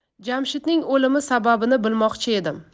jamshidning o'limi sababini bilmoqchi edim